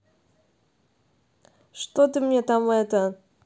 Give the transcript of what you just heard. что ты мне там это